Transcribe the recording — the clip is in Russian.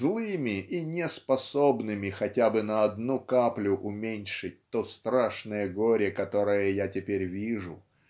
злыми и неспособными хотя бы на одну каплю уменьшить то страшное горе которое я теперь вижу